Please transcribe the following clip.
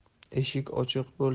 eshik ochiq bo'lsa